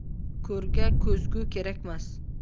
ko'rga ko'zgu kerakmas